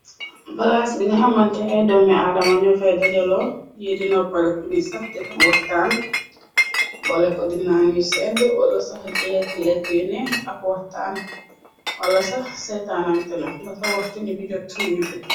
Palaas bi nga xamante ay doomi adama ñoo fay dajaloo ñiy dinoppale ku ñi saf dirin waxtaan bole ko dinaan yu sedd wala sax di lekk lekk yu ne ak waxtaan wala sax saytaan am tele basa waxtu ñu bi jott niñu bi.